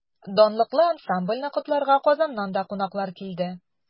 Данлыклы ансамбльне котларга Казаннан да кунаклар килде.